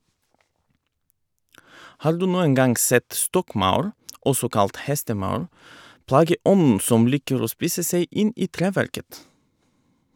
Har du noen gang sett stokkmaur, også kalt hestemaur, plageånden som liker å spise seg inn i treverket?